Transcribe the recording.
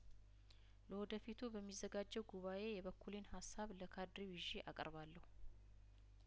ለወደፊቱ በሚዘጋጀው ጉባኤ የበኩሌን ሀሳብ ለካድሬው ይዤ አቀርባለሁ